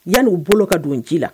Yan n'u bolo ka don ci la!